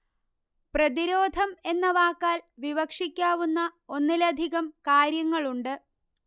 പ്രതിരോധം എന്ന വാക്കാല് വിവക്ഷിക്കാവുന്ന ഒന്നിലധികം കാര്യങ്ങളുണ്ട്